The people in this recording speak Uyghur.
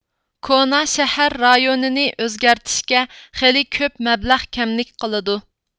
كونا شەھەر رايونىنى ئۆزگەرتىشكە خېلى كۆپ مەبلەغ كەملىك قىلىدۇ